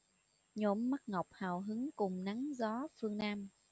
nhóm mắt ngọc hào hứng cùng nắng gió phương nam